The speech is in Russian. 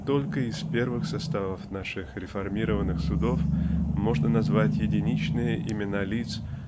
Только из первых составов наших реформированных судов можно назвать единичные имена лиц